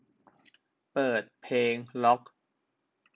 เปิดเพลงร็อค